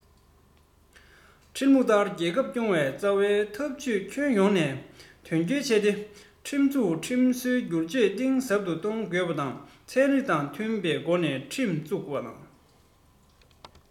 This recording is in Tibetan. ཁྲིམས ལུགས ལྟར རྒྱལ ཁབ སྐྱོང བའི རྩ བའི ཐབས ཇུས ཁྱོན ཡོངས ནས དོན འཁྱོལ བྱས ཏེ ཁྲིམས འཛིན སྒྲིག སྲོལ སྒྱུར བཅོས གཏིང ཟབ ཏུ གཏོང དགོས པ དང ཚན རིག དང མཐུན པའི སྒོ ནས ཁྲིམས འཛུགས པ དང